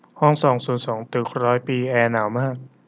ห้องสองศูนย์สองตึกร้อยปีแอร์หนาวมาก